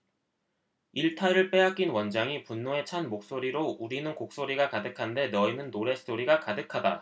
일타를 빼앗긴 원장이 분노에 찬 목소리로 우리는 곡소리가 가득한데 너희는 노랫소리가 가득하다